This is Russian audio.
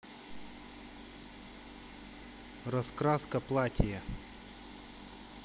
раскраска платье